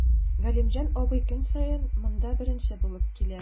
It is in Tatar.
Галимҗан абый көн саен монда беренче булып килә.